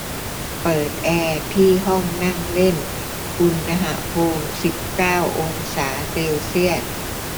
เปิดแอร์ที่ห้องนั่งเล่นอุณหภูมิสิบเก้าองศาเซลเซียส